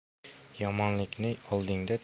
yomonlikni oldingda tut